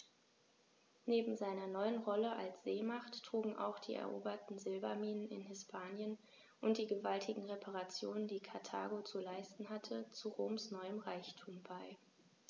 Neben seiner neuen Rolle als Seemacht trugen auch die eroberten Silberminen in Hispanien und die gewaltigen Reparationen, die Karthago zu leisten hatte, zu Roms neuem Reichtum bei.